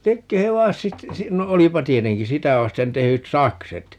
liekö he - sitten - no olipa tietenkin sitä vasten tehdyt sakset